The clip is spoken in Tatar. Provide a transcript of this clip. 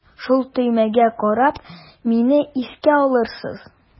Шул төймәгә карап мине искә алырсыз.